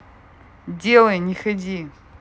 делай не ходи